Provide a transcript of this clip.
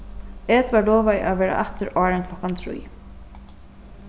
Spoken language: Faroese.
edvard lovaði at vera aftur áðrenn klokkan trý